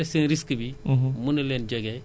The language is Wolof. vraiment ñu gën a jàppale baykat yi